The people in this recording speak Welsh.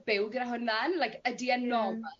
byw gyda hwnna yn like ydi e'n normal?